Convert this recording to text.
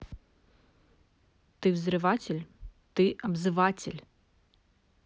ты взрыватель ты обзыватель